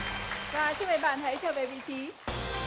và xin mời bạn hãy trở về vị trí